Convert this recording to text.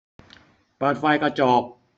เปิดไฟกระจก